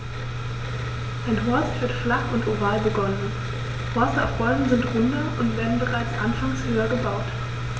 Ein Horst wird flach und oval begonnen, Horste auf Bäumen sind runder und werden bereits anfangs höher gebaut.